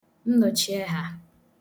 nnọ̀chiehà